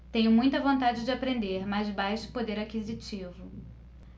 tenho muita vontade de aprender mas baixo poder aquisitivo